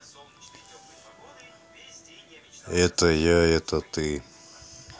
это я это ты